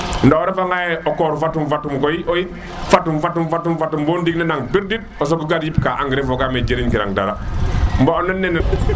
nda o refa nga ye o korfatum fatum koy fatum fatum fatum bo ding ne naan birdit o sogo yip ka engrais fogame jirin kirang dara mba o nane